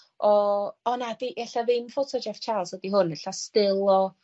o, o na di- ella ddim ffoto Jeff Charles ydi hwn ella still o